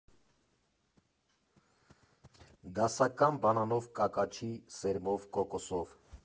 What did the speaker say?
Դասական, բանանով, կակաչի սերմով, կոկոսով։